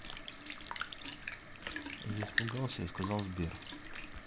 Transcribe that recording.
я испугался я сказала сбер